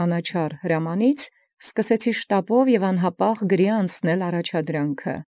Անաչառ հրամանին հասելոյ, փութանակի և առանց յապաղելոյ զառաջի եղեալն մատենագրել։